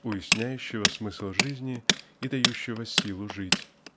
уясняющего смысл жизни и дающего силу жить.